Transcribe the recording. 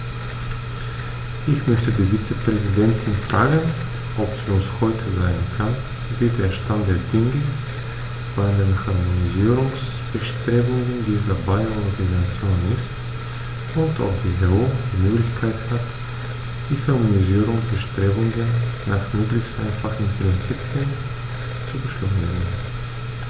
Ich möchte die Vizepräsidentin fragen, ob sie uns heute sagen kann, wie der Stand der Dinge bei den Harmonisierungsbestrebungen dieser beiden Organisationen ist, und ob die EU die Möglichkeit hat, die Harmonisierungsbestrebungen nach möglichst einfachen Prinzipien zu beschleunigen.